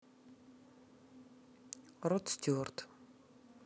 род стюарт